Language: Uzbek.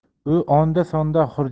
u onda sonda